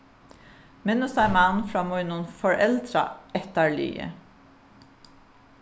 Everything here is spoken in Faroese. minnist ein mann frá mínum foreldraættarliði